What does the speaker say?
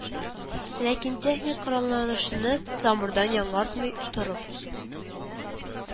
Ләкин техник коралланышны тамырдан яңартмый торып